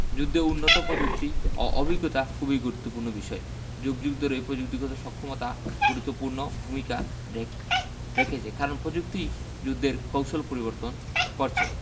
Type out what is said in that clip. যুদ্ধে উন্নত প্রযুক্তি এবং অভিজ্ঞতা খুবই গুরুত্বপূর্ণ বিষয় যুগ যুগ ধরেই প্রযুক্তিগত সক্ষমতা গুরুত্বপূর্ণ ভূমিকা রে রেখেছে কারণ প্রযুক্তিই যুদ্ধের কৌশল পরিবর্তন করছে